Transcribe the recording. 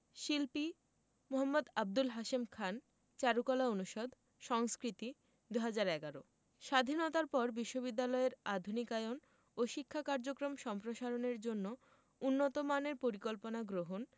শিল্পী মু. আব্দুল হাশেম খান চারুকলা অনুষদ সংস্কৃতি ২০১১ স্বাধীনতার পর বিশ্ববিদ্যালয়ের আধুনিকায়ন ও শিক্ষা কার্যক্রম সম্প্রসারণের জন্য উন্নতমানের পরিকল্পনা গ্রহণ